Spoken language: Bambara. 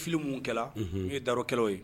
Filifili minnu kɛra olu ye dayɔrokɛlaw ye.